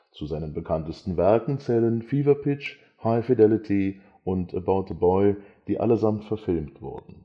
Zu seinen bekanntesten Werken zählen Fever Pitch, High Fidelity und About a Boy, die allesamt verfilmt wurden